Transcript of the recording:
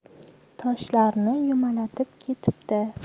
toshlarni yumalatib ketibdi